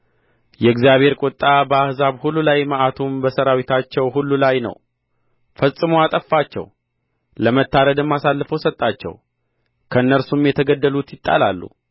የእግዚአብሔር ቍጣ በአሕዛብ ሁሉ ላይ መዓቱም በሠራዊታቸው ሁሉ ላይ ነው ፈጽሞ አጠፋቸው ለመታረድም አሳልፎ ሰጣቸው ከእነርሱም የተገደሉት ይጣላሉ